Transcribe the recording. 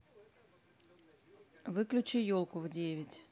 выключи елку в девять